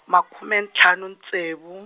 makhume ntlhanu ntsevu.